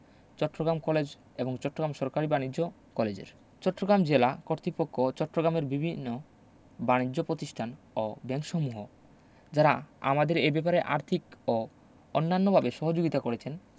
Chittagong college এবং চট্টগাম সরকারি বাণিজ্য কলেজের চট্টগ্রাম জেলা কর্তৃপক্ষ এবং চট্টগ্রামের বিভিন্ন বানিজ্য প্রতিষ্ঠান ও ব্যাংকসমূহ যারা আমাদের এ ব্যাপারে আর্থিক এবং অন্যান্যভাবে সহযোগিতা করেছেন